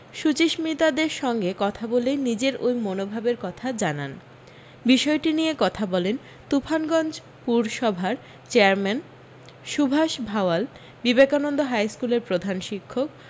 শুচিসমিতাদের সঙ্গে কথা বলে নিজের ওই মনোভাবের কথা জানান বিষয়টি নিয়ে কথা বলেন তুফানগঞ্জ পুরসভার চেয়ারম্যান সুভাষ ভাওয়াল বিবেকানন্দ হাইস্কুলের প্রধান শিক্ষক